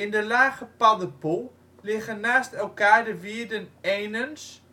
de Lage Paddepoel liggen naast elkaar de wierden Enens